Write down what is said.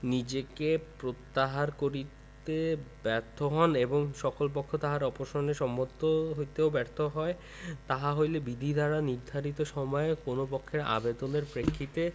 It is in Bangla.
নিজেকে প্রত্যাহার কারিতে ব্যর্থ হন এবং সকল পক্ষ তাহার অপসারণে সম্মত হইতেও ব্যর্থ হয় তাহা হইলে বিধি দ্বারা নির্ধারিত সময়ের মধ্যে কোন পক্ষের আবেদনের প্রেক্ষিতে